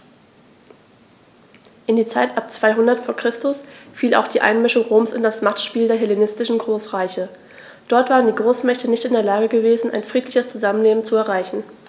In die Zeit ab 200 v. Chr. fiel auch die Einmischung Roms in das Machtspiel der hellenistischen Großreiche: Dort waren die Großmächte nicht in der Lage gewesen, ein friedliches Zusammenleben zu erreichen.